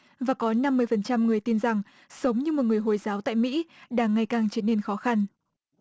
và có năm mươi phần trăm người tin rằng sống như một người hồi giáo tại mỹ đang ngày càng trở nên khó khăn